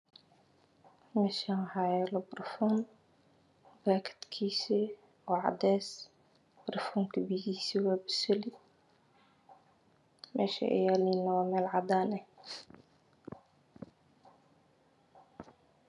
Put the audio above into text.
Meshan waxa yalo barafun bakadkis waa cadan bargunka biyahis waa baseli mesha eey yalin waa mel cadan ah